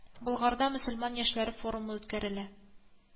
Болгарда мөселман яшьләре форумы үткәрелә